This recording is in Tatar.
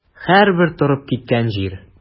Һәрбер торып киткән җир.